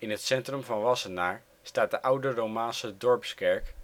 het centrum van Wassenaar staat de oude romaanse dorpskerk